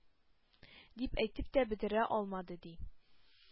Дип әйтеп тә бетерә алмады, ди,